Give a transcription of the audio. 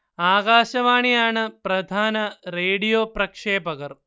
ആകാശവാണി ആണ് പ്രധാന റേഡിയോ പ്രക്ഷേപകർ